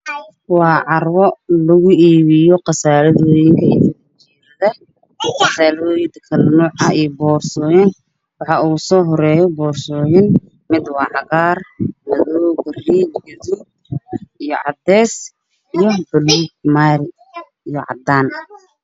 Waa carruur lagu iibiyo qasaaladdooyinka iyo boorsooyinka waxaa ugu soo horreysa boorso madow iyo gaduud ya caddaan